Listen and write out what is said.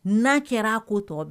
Na kɛr'a ko tɔ b